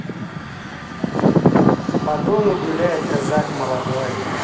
по дону гуляет казак молодой